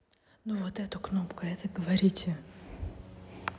ну вот это кнопка это говорите